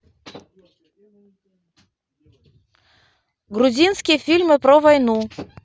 грузинские фильмы про войну